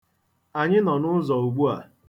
Anyị nọ n'ụzọ ugbua.